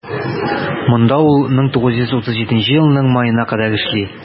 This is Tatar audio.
Монда ул 1937 елның маена кадәр эшли.